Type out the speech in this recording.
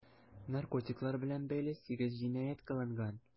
Наркотиклар белән бәйле 8 җинаять кылынган.